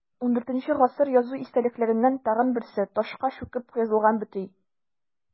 ХIV гасыр язу истәлекләреннән тагын берсе – ташка чүкеп язылган бөти.